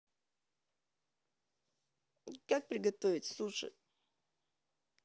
как приготовить суши